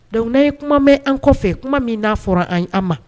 Dɔnkuc' ye kuma bɛ an kɔfɛ tuma min n'a fɔra an an ma